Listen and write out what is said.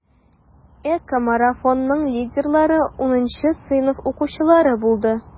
ЭКОмарафонның лидерлары 10 сыйныф укучылары булды.